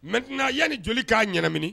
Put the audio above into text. Mɛt yan ni joli k'a ɲɛnaminɛ